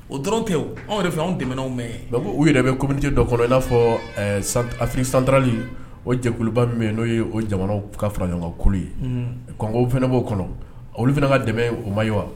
O dɔrɔn tɛ anw yɛrɛ fɛ anw dɛmɛ mɛn u yɛrɛ bɛ comte dɔ kɔnɔ i n'a fɔ afi santali o jɛkuluba min n'o ye o jamana ka faraɲɔgɔn ko yeko fana b'o kɔnɔ olu fana ka dɛmɛ o ma ye wa